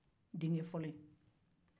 denkɛ fɔlɔ in